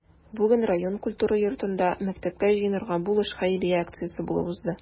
Бүген район культура йортында “Мәктәпкә җыенырга булыш” хәйрия акциясе булып узды.